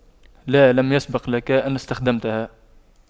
لا لم يسبق لك أن استخدمتها